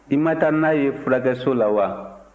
i ma taa n'a ye furakɛso la wa